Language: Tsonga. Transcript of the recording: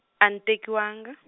a ni tekiwanga.